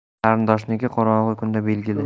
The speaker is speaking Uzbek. qarindoshniki qorong'u kunda belgili